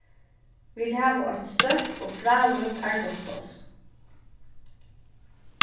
vit hava eitt stórt og frálíkt arbeiðspláss